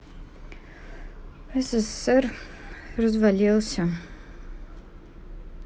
ссср развалился